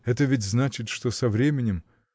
Это ведь значит, что со временем.